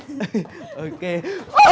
ô kê